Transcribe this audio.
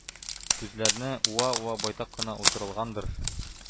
Күзләрне уа-уа байтак кына утырылгандыр.